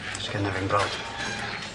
Sgenna fi'm brawd.